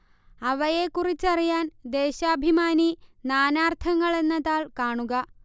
അവയെക്കുറിച്ചറിയാൻ ദേശാഭിമാനി നാനാർത്ഥങ്ങൾ എന്ന താൾ കാണുക